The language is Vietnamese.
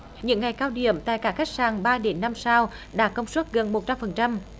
những ngày cao điểm tại các khách sạn ba đến năm sao đạt công suất gần một trăm phần trăm